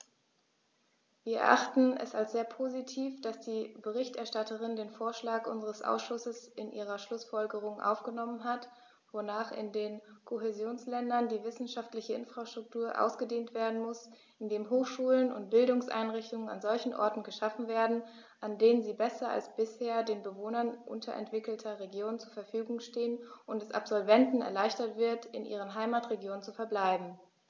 Wir erachten es als sehr positiv, dass die Berichterstatterin den Vorschlag unseres Ausschusses in ihre Schlußfolgerungen aufgenommen hat, wonach in den Kohäsionsländern die wissenschaftliche Infrastruktur ausgedehnt werden muss, indem Hochschulen und Bildungseinrichtungen an solchen Orten geschaffen werden, an denen sie besser als bisher den Bewohnern unterentwickelter Regionen zur Verfügung stehen, und es Absolventen erleichtert wird, in ihren Heimatregionen zu verbleiben.